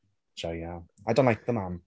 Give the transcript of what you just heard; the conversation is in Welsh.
Joio. I don't like the man.